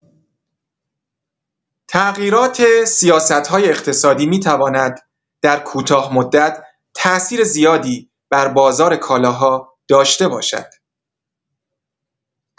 تغییرات سیاست‌های اقتصادی می‌تواند در کوتاه‌مدت تاثیر زیادی بر بازار کالاها داشته باشد.